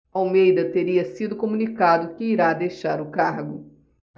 almeida teria sido comunicado que irá deixar o cargo